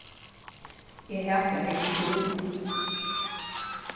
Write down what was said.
eg hati at ganga í skúla